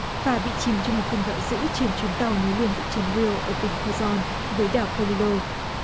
phà bị chìm trong một cơn bão dữ trên chuyến tàu nối liền thị trấn riu ở tỉnh khuây gion với đảo pô li nô